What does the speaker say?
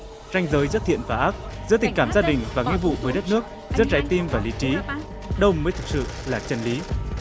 ranh giới giữa thiện và ác giữa tình cảm gia đình và nghĩa vụ với đất nước giữa trái tim và lý trí đâu mới thực sự là chân lý